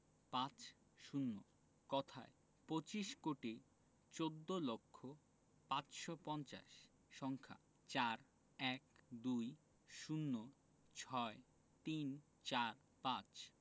৫০ কথায় পঁচিশ কোটি চৌদ্দ লক্ষ পাঁচশো পঞ্চাশ সংখ্যা ৪১২০৬৩৪৫